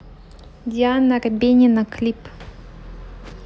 диана арбенина клип